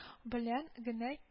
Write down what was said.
Белән генә